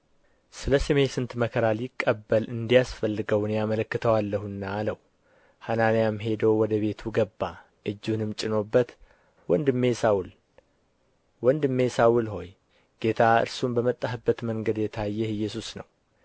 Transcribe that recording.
ስለ ስሜ ስንት መከራ ሊቀበል እንዲያስፈልገው እኔ አመለክተዋለሁና አለው ሐናንያም ሄዶ ወደ ቤቱ ገባ እጁንም ጭኖበት ወንድሜ ሳውል ሆይ ጌታ እርሱም በመጣህበት መንገድ የታየህ ኢየሱስ ነው